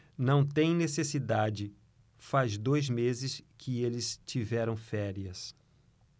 não tem necessidade faz dois meses que eles tiveram férias